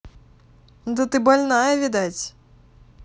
да ты больная видать